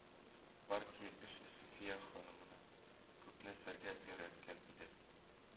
Партия эше Суфия ханымны күп нәрсәгә өйрәткән иде